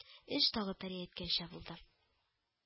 Эш тагы пәри әйткәнчә булды